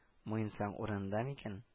Муенсаң урынында микән?—